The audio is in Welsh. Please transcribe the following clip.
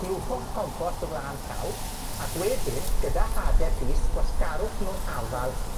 glwchwch 'ych compost o flan llaw, ac wedyn, gyda hade pys, gwasgarwch nw'n hafal